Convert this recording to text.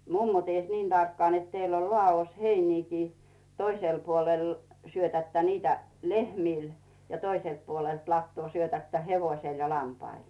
mummo tiesi niin tarkkaan että teillä on ladossa heiniäkin toisella puolella syötätte niitä lehmille ja toiselta puolelta latoa syötätte hevoselle ja lampaille